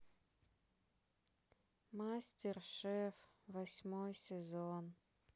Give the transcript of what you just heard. мастер шеф восьмой сезон